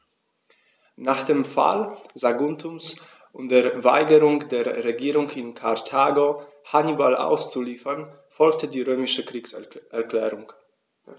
Nach dem Fall Saguntums und der Weigerung der Regierung in Karthago, Hannibal auszuliefern, folgte die römische Kriegserklärung.